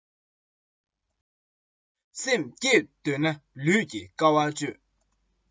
སེམས སྐྱིད འདོད ན ལུས ཀྱི དཀའ བ སྤྱོད